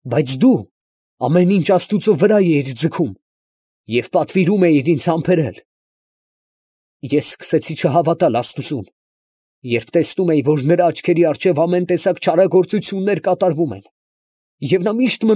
Բայց դու ամեն ինչ աստուծո վրա էիր ձգում, և պատվիրում էիր ինձ համբերել… Ես սկսեցի չհավատալ աստուծուն, երբ տեսնում էի, որ նրա աչքերի առջև ամեն տեսակ չարագործություններ կատարվում են, և նա միշտ։